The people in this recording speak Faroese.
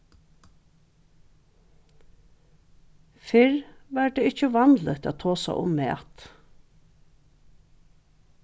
fyrr var tað ikki vanligt at tosa um mat